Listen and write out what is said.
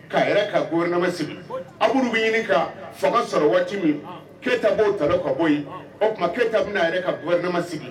A yɛrɛ ka gouvernement sigi, Abudu bɛ ɲini ka fanga sɔrɔ waati min, Keyita b'o ɲɔni ka bɔ yen, o tuma Keyita bɛ n'a yɛrɛ ka gouvernement sigi